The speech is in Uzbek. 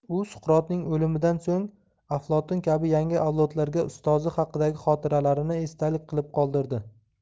u suqrotning o'limidan so'ng aflotun kabi yangi avlodlarga ustozi haqidagi xotiralarini esdalik qilib qoldirdi